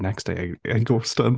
Next day, I- I ghost 'em!